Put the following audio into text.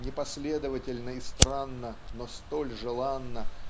непоследовательно и странно но столь желанно